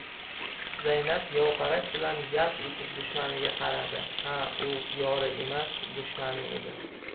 zaynab yovqarash bilan yalt etib dushmaniga qaradi ha u yori emas dushmani edi